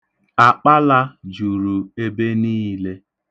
Akpala juru ebe niile.